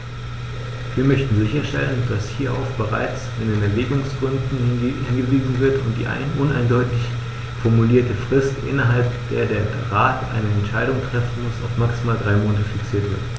Wir möchten sicherstellen, dass hierauf bereits in den Erwägungsgründen hingewiesen wird und die uneindeutig formulierte Frist, innerhalb der der Rat eine Entscheidung treffen muss, auf maximal drei Monate fixiert wird.